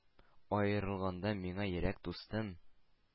Аерылганда миңа йөрәк дустым